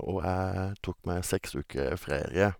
Og jeg tok meg seks uker ferie.